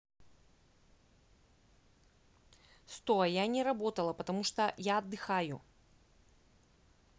сто а я не работала потому что я отдыхаю